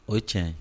O ye tiɲɛ ye